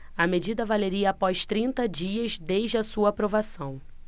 a medida valeria após trinta dias desde a sua aprovação